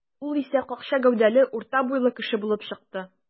Ул исә какча гәүдәле, урта буйлы кеше булып чыкты.